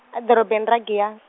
a dorobeni ra Giyani.